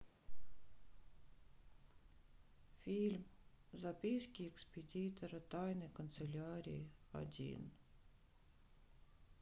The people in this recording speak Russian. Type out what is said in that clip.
фильм записки экспедитора тайной канцелярии один